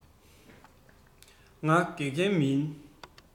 ང དགེ རྒན མིན